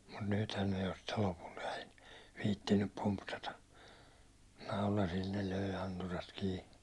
mutta nythän ne jo sitten lopulta ei viitsinyt pumpsata naulasilla ne löi anturat kiinni